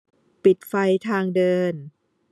ปิดไฟทางเดิน